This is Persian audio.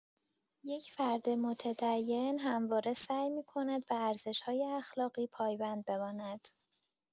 یک فرد متدین همواره سعی می‌کند به ارزش‌های اخلاقی پایبند بماند.